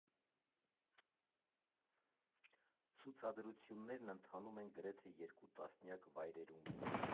Ցուցադրություններն ընթանում են գրեթե երկու տասնյակ վայրերում։